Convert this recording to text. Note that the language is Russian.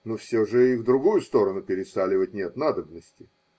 Но все же и в другую сторону пересаливать нет надобности.